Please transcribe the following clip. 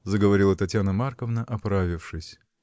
— заговорила Татьяна Марковна, оправившись.